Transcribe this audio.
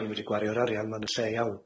'Dan ni wedi gwario'r arian ma'n lle iawn.